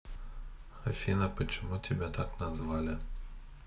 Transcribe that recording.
афина почему почему тебя так назвали